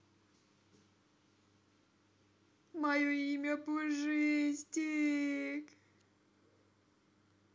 мое имя пушистик